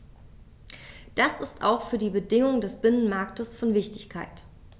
Das ist auch für die Bedingungen des Binnenmarktes von Wichtigkeit.